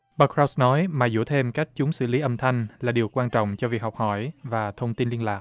bà cờ rót nói mài giũa thêm cách chúng xử lý âm thanh là điều quan trọng cho việc học hỏi và thông tin liên lạc